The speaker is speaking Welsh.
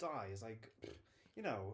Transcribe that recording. Dau is like you know